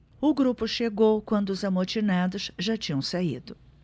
o grupo chegou quando os amotinados já tinham saído